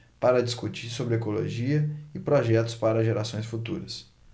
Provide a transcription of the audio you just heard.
para discutir sobre ecologia e projetos para gerações futuras